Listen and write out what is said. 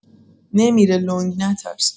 نمی‌ره لنگ نترس